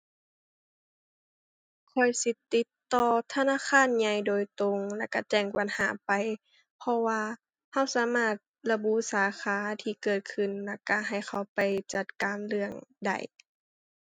ข้อยสิติดต่อธนาคารใหญ่โดยตรงแล้วก็แจ้งปัญหาไป เพราะว่าก็สามารถระบุสาขาที่เกิดขึ้น แล้วก็ให้เขาไปจัดการเรื่องได้